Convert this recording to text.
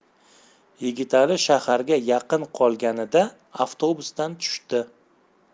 yigitali shaharga yaqin qolganida avtobusdan tushdi